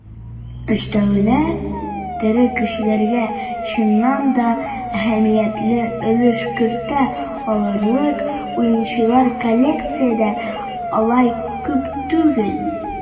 Өстәвенә, тере көчләргә чыннан да әһәмиятле өлеш кертә алырлык уенчылар коалициядә алай күп түгел.